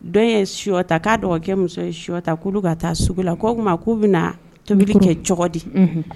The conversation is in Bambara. Dɔw ye suɔta k'a dɔgɔ muso suta k'olu ka taa sugu la' o tuma k'u bɛna tobili kɛ cogo di